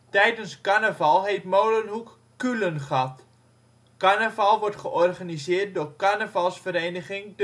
Tijdens carnaval heet Molenhoek ' Kuulengat '. Carnaval wordt georganiseerd door carnavalsvereniging